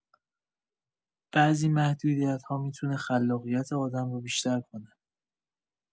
بعضی محدودیت‌ها می‌تونه خلاقیت آدم رو بیشتر کنه.